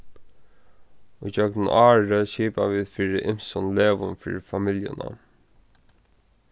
ígjøgnum árið skipa vit fyri ymsum legum fyri familjuna